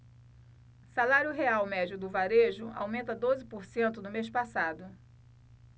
salário real médio do varejo aumenta doze por cento no mês passado